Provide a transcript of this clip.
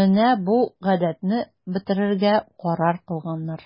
менә бу гадәтне бетерергә карар кылганнар.